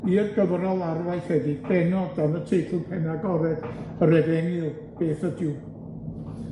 i'r gyfrol arwaithedig bennod o'n y teitl penagored yr Efengyl, beth ydyw?